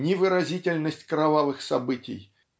ни выразительность кровавых событий